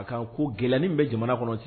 A kan ko gɛlɛ ni bɛ jamana kɔnɔ cɛ